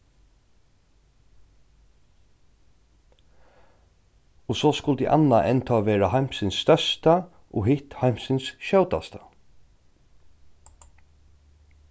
og so skuldi annað enntá vera heimsins størsta og hitt heimsins skjótasta